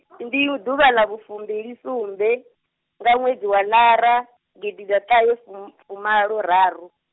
ndi ḓuvha ḽa vhufumbilisumbe, nga ṅwedzi wa ḽara, gididatahefum- -fumaloraru.